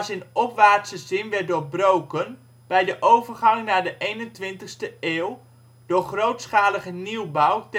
in opwaartse zin werd doorbroken bij de overgang naar de 21e eeuw, door grootschalige nieuwbouw